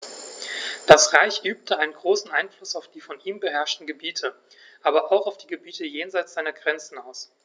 Das Reich übte einen großen Einfluss auf die von ihm beherrschten Gebiete, aber auch auf die Gebiete jenseits seiner Grenzen aus.